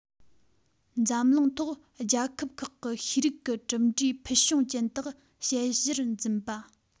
འཛམ གླིང ཐོག རྒྱལ ཁབ ཁག གི ཤེས རིག གི གྲུབ འབྲས ཕུལ བྱུང ཅན དག དཔྱད གཞིར འཛིན པ